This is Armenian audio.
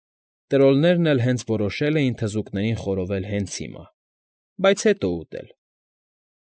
Տրոլներն էլ հենց որոշել էին թզուկներին խորովել հենց հիմա, բայց հետո ուտել։